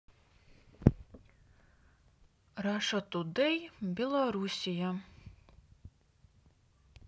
раша тудей белоруссия